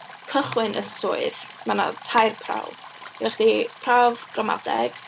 Cychwyn y Swydd. Ma' na tair prawf. Genna chdi prawf gramadeg.